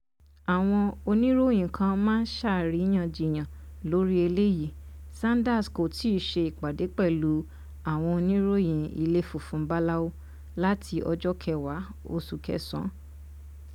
Àwọn oníròyìn kan máa ṣàríyàjiyàn lórí èléyìí: Sanders kò tíì ṣe ìpàdé pẹ̀lú àwọn oníròyìn Ilé Funfun Báláú láti ọjọ 10 oṣù kẹsàn án.